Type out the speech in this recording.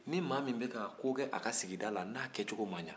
ni maa min bɛ ka ko kɛ a ka sigida la n'a kɛcogo man ɲi